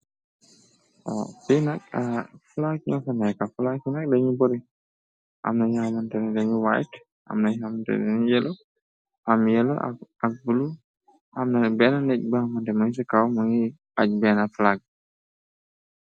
Pinak flag ño fa neeka, flag inag dañu bore, amna ñamantene dañu white, amna xamnte dañ yëlo, am yëlo ak bulu, amna benn nej bàamante may ca kaw, mu ngay aj benn flag.